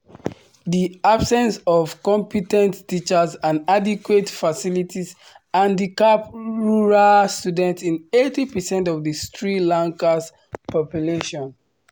[The] Absence of competent teachers and adequate facilities handicap rural students in 80% of the Sri Lankas population.